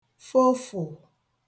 fofụ̀